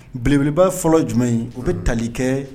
Beleba fɔlɔ jumɛn u bɛ tali kɛ